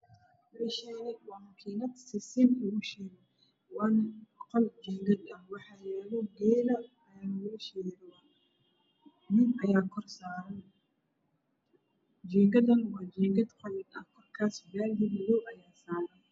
Meeshaani waa makiinad sisin lagu shiido waana qol jiigad ah waxaa yaalo nin ayaa kor saaran jiingadana waa jiingad qalin ah daah madow ayaa saaran